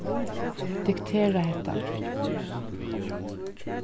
diktera hetta